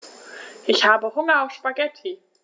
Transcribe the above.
Ich habe Hunger auf Spaghetti.